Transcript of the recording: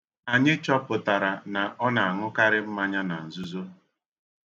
Anyi chọpụtara na ọ na-aṅụkarị mmanya na nzuzo.